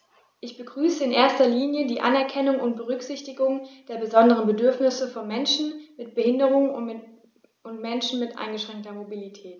Ich begrüße in erster Linie die Anerkennung und Berücksichtigung der besonderen Bedürfnisse von Menschen mit Behinderung und Menschen mit eingeschränkter Mobilität.